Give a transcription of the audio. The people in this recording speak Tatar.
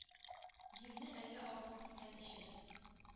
Җирне әллә артык сөйгән өчен,